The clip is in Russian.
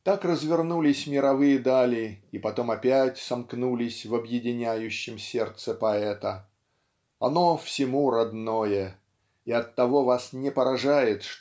Так развернулись мировые дали и потом опять сомкнулись в объединяющем сердце поэта. Оно - всему родное. И оттого вас не поражает